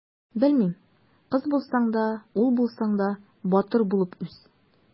Белмим: кыз булсаң да, ул булсаң да, батыр булып үс!